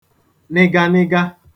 nịganịga